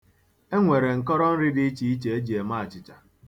E nwere nkọrọnri dị iche iche e ji eme achịcha.